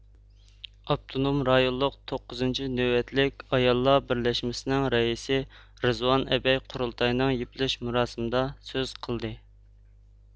ئاپتونوم رايونلۇق توققۇزىنچى نۆۋەتلىك ئاياللار بىرلەشمىسىنىڭ رەئىسى رىزۋان ئەبەي قۇرۇلتاينىڭ يېپىلىش مۇراسىمىدا سۆز قىلدى